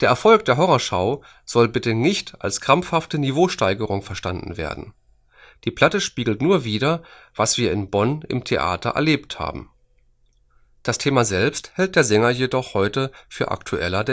Erfolg der Horrorschau soll bitte nicht als krampfhafte Niveausteigerung verstanden werden. Die Platte spiegelt nur wider, was wir in Bonn im Theater erlebt haben. “Das Thema selbst hält der Sänger jedoch heute für aktueller